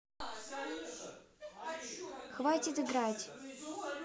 хватит играть